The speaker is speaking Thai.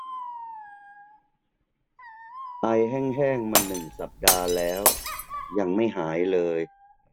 ไอแห้งแห้งมาหนึ่งสัปดาห์แล้วยังไม่หายเลย